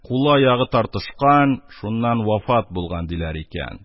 Кулы-аягы тартышкан, шуннан вафат булган, диләр икән.